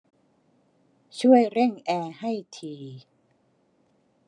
ช่วยเร่งแอร์ให้ที